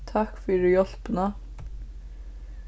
takk fyri hjálpina